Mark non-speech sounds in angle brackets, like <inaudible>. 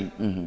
<hesitation> <hesitation>